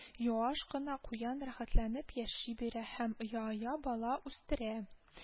Юаш кына куян рәхәтләнеп яши бирә һәм оя-оя бала үстерә